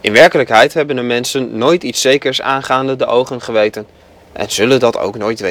werkelijkheid hebben de mensen nooit iets zekers aangaande de goden geweten en zullen dat ook nooit